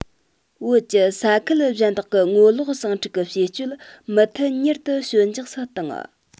བོད ཀྱི ས ཁུལ གཞན དག གི ངོ ལོག ཟིང འཁྲུག གི བྱེད སྤྱོད མུ མཐུད མྱུར དུ ཞོད འཇགས སུ བཏང